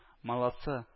Молодцы